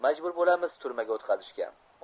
majbur bo'lamiz turmaga o'tqazishga